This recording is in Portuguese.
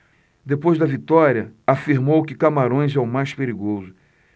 depois da vitória afirmou que camarões é o mais perigoso